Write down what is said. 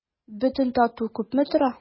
Бөтен тату күпме тора?